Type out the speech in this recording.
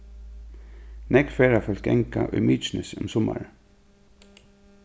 nógv ferðafólk ganga í mykinesi um summarið